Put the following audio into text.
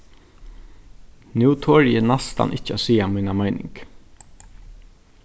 nú tori eg næstan ikki at siga mína meining